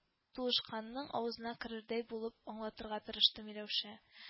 Туышканның авызына керердәй булып аңлатырга кереште миләүшә